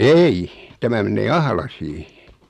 ei tämä menee Ahlaisiin